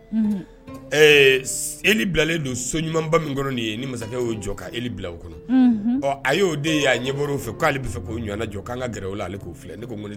Don so ɲumanba min'o jɔ bila a y' den ɲɛ fɛ k'ale b' fɛ k' ɲɔgɔn jɔ' ka g